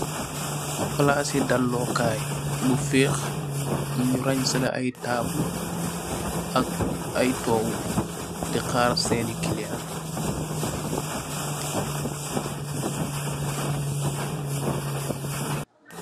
Plasi dalokay bu feex, nyu ransa leh ay taabul ak ay tougu di xaar senni kiliyan